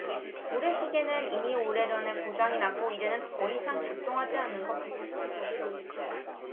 모래시계는 이미 오래 전에 고장이 났고 이제는 더 이상 작동하지 않는 것 같습니다